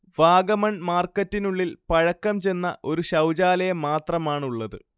വാഗമൺ മാർക്കറ്റിനുള്ളിൽ പഴക്കം ചെന്ന ഒരു ശൗചാലയം മാത്രമാണുള്ളത്